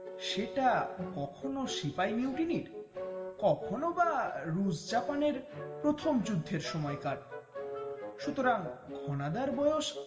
সেটা কখনো সিপাই মিউনিটির কখনো বা রুশ জাপানের প্রথম যুদ্ধের সময়কার সুতরাং ঘনাদা বয়স